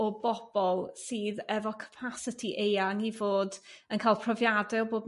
o bobl sydd efo cpasiti eang i fod yn ca'l profiade o bob